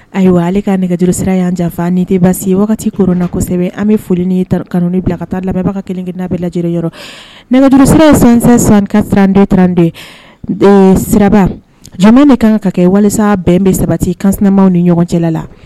Ayiwa ale ka nɛgɛjuru sira y yanan yafafa ni tɛ baasi wagati koro na kosɛbɛ an bɛ foli kanu ni bila ka taa labɛnbaga kelen n'a bɛ lajɛ lajɛlen yɔrɔ nɛgɛjuru sira ye san sankasiratranden siraba jama de kan ka kɛ walasa bɛn bɛ sabati kansma ni ɲɔgɔn cɛ la